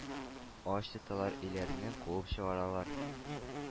Ач тоталар, өйләреннән куып чыгаралар,